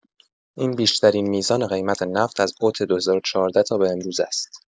این بیشترین میزان قیمت نفت از اوت ۲۰۱۴ تا به امروز است.